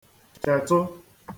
chètụ